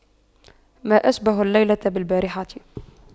ما أشبه الليلة بالبارحة